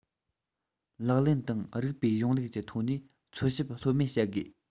ལག ལེན དང རིགས པའི གཞུང ལུགས ཀྱི ཐོག ནས འཚོལ ཞིབ ལྷོད མེད བྱེད དགོས